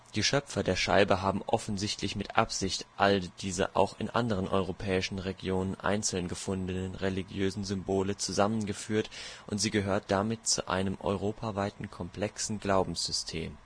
Die Schöpfer der Scheibe haben offensichtlich mit Absicht alle diese auch in anderen europäischen Regionen einzeln gefundenen, religiösen Symbole zusammengeführt und sie gehört damit zu einem europaweiten komplexen Glaubenssystem